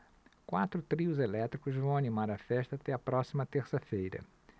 quatro trios elétricos vão animar a festa até a próxima terça-feira